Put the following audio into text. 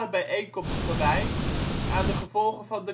bijeenkomst gewijd aan de gevolgen van